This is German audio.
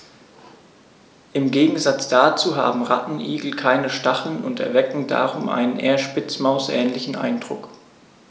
Im Gegensatz dazu haben Rattenigel keine Stacheln und erwecken darum einen eher Spitzmaus-ähnlichen Eindruck.